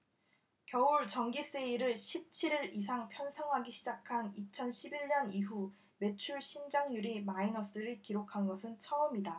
겨울 정기세일을 십 칠 일 이상 편성하기 시작한 이천 십 일 년 이후 매출신장률이 마이너스를 기록한 것은 처음이다